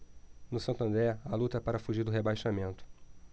no santo andré a luta é para fugir do rebaixamento